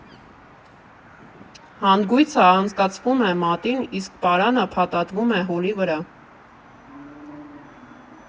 Հանգույցը անցկացվում է մատին, իսկ պարանը փաթաթվում է հոլի վրա։